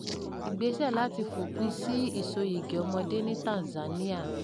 Ìgbésẹ̀ láti fòpin sí ìsoyìgì ọmọdé ní Tanzania